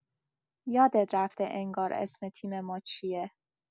یادت رفته انگار اسم تیم ما چیه؟